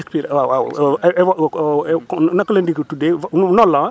expli waaw waaw naka la ñu ko tuddee noonu la ah